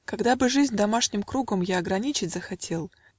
Когда бы жизнь домашним кругом Я ограничить захотел